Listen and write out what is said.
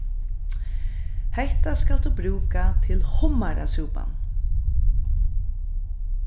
hetta skalt tú brúka til hummarasúpan